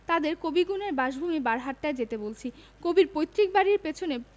তাঁদের কবি গুণের বাসভূমি বারহাট্টায় যেতে বলছি কবির পৈতৃক বাড়ির পেছনে